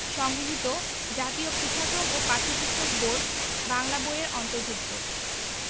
সংগৃহীত জাতীয় শিক্ষাক্রম ও পাঠ্যপুস্তক বোর্ড বাংলা বই এর অন্তর্ভুক্ত